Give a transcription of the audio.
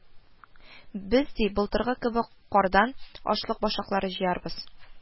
Без, ди, былтыргы кебек кардан ашлык башаклары җыярбыз